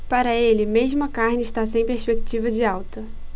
para ele mesmo a carne está sem perspectiva de alta